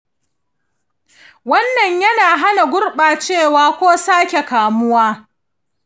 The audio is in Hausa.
wannan yana hana gurɓacewa ko sake kamuwa.